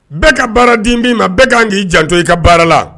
N bɛɛ ka baara d'i ma bɛɛ kan k'i janto i ka baara la